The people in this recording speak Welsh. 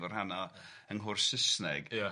fel rhan o yng nghwrs Saesneg... Ia